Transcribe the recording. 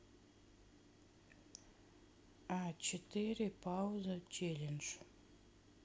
а четыре пауза челлендж